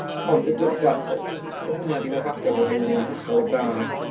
Ond y- y- d- fatha... hwnna 'di hoff atgof fi oherwydd oedd hi'n anhygoel o braf...